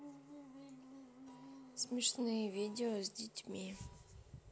смешные видео с детьми